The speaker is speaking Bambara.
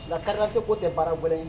Fila karikɛkoo tɛ baarawale ye